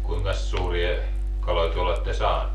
kuinkas suuria kaloja te olette saanut